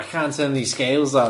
I can't turn these scales on.